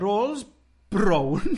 Rolls brown.